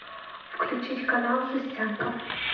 включить канал жестянка